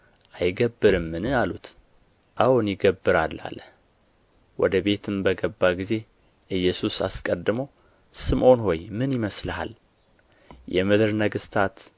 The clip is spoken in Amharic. አይገብርምን አሉት አዎን ይገብራል አለ ወደ ቤትም በገባ ጊዜ ኢየሱስ አስቀድሞ ስምዖን ሆይ ምን ይመስልሃል የምድር ነገሥታት